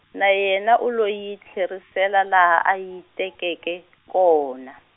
na yena u lo yi tlherisela laha a yi tekeke, kona.